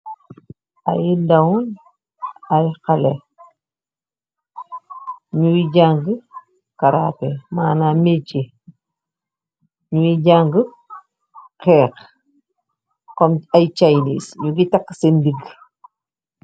Ay ndaw, ay haley nungi jàng karatè manam mèjè. Nungi jàng hèh Kom ay chinese. Nungi takk senn digè.